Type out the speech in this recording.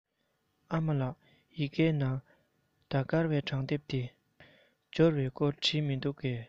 ཨ མ ལགས ཡི གེ ནང ཟླ བསྐུར བའི སྒྲུང དེབ དེ འབྱོར བའི སྐོར བྲིས འདུག གས